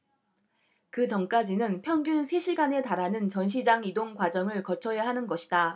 그 전까지는 평균 세 시간에 달하는 전시장 이동과정을 거쳐야 하는 것이다